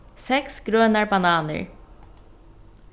seks grønar bananir